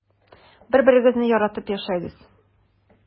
Бер-берегезне яратып яшәгез.